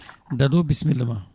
Dado bisimilla ma